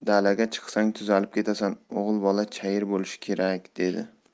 dalaga chiqsang tuzalib ketasan o'g'il bola chayir bo'lishi kerak dedi